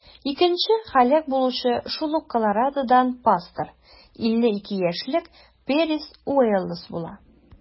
Икенче һәлак булучы шул ук Колорадодан пастор - 52 яшьлек Пэрис Уоллэс була.